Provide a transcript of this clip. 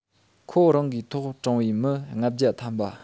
ཁོ རང གིས ཐོག དྲངས པའི མི ལྔ བརྒྱ ཐམ པ